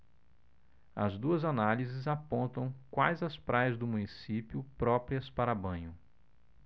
as duas análises apontam quais as praias do município próprias para banho